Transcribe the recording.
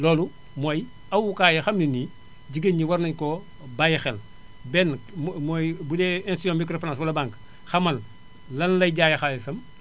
loolu mooy awukaay yoo xam ne nii jigéen ñi war nañu koo bàyyi xel benn mu mooy budee institution microfinance wala banque xamal lan lay jaayee xaalisam